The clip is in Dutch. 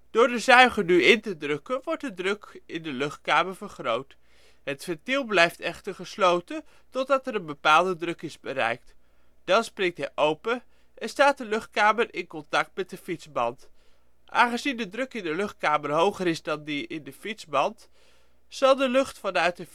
Door de zuiger nu in te drukken, wordt de druk in de luchtkamer vergroot. Het ventiel blijft echter gesloten, totdat er een bepaalde druk is bereikt. Dan springt hij open en staat de luchtkamer in contact met de fietsband. Aangezien de druk in de luchtkamer hoger is dan in de fietsband, zal er lucht vanuit de